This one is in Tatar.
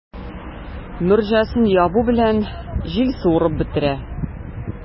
Морҗасын ябу белән, җил суырып бетерә.